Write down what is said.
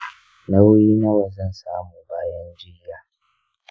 nauyi nawa zan samu bayan jiyya?